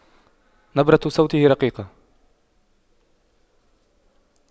نبرة صوته رقيقة